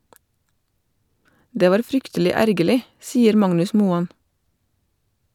Det var fryktelig ergerlig, sier Magnus Moan.